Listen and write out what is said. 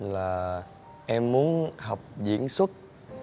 là em muốn học diễn xuất